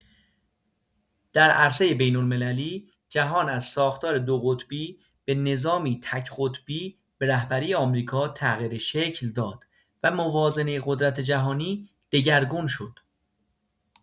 در عرصه بین‌المللی، جهان از ساختار دو قطبی به نظامی تک قطبی به رهبری آمریکا تغییر شکل داد و موازنه قدرت جهانی دگرگون شد.